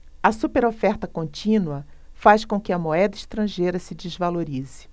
a superoferta contínua faz com que a moeda estrangeira se desvalorize